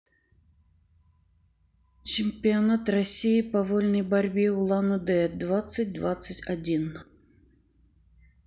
чемпионат россии по вольной борьбе улан удэ двадцать двадцать один